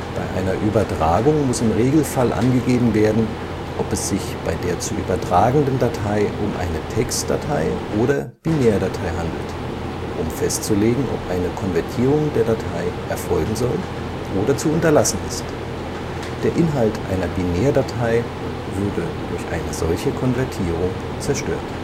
Bei einer Übertragung muss im Regelfall angegeben werden, ob es sich bei der zu übertragenden Datei um eine Text - oder Binärdatei handelt, um festzulegen, ob eine Konvertierung der Datei erfolgen soll oder zu unterlassen ist – der Inhalt einer Binärdatei würde durch eine solche Konvertierung zerstört